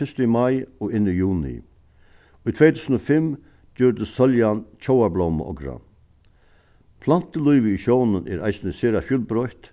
fyrst í mai og inn í juni í tvey túsund og fimm gjørdist sóljan tjóðarblóma okra plantulívið í sjónum er eisini sera fjølbroytt